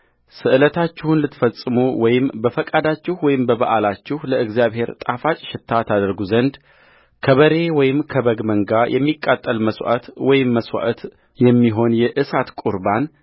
ስእለታችሁን ልትፈጽሙ ወይም በፈቃዳችሁ ወይም በበዓላችሁ ለእግዚአብሔር ጣፋጭ ሽታ ታደርጉ ዘንድ ከበሬ ወይም ከበግ መንጋ የሚቃጠል መሥዋዕት ወይም መሥዋዕት የሚሆን የእሳት ቍርባን